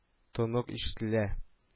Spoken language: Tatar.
Тонык ишетелә